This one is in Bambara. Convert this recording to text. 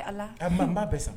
A maa ba bɛ san